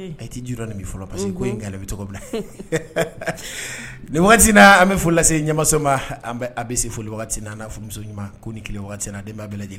A tɛ juru nin bi fɔlɔ parce que in' bɛ tɔgɔ bila nin n'a an bɛ fɔ lase ɲɛmasa ma a bɛ se foli n''a fɔmuso ɲuman ko ni n' a den' bɛ lajɛ lajɛlen